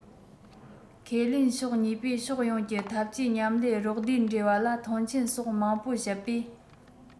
ཁས ལེན ཕྱོགས གཉིས པོས ཕྱོགས ཡོངས ཀྱི འཐབ ཇུས མཉམ ལས རོགས ཟླའི འབྲེལ བ ལ མཐོང ཆེན སོགས མང པོ བཤད པས